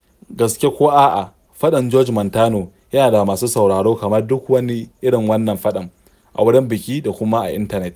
Gaske ko a'a, faɗan George/Montano yana da masu sauraro kamar duk wani irin wannan faɗan, a wurin bikin da kuma a intanet.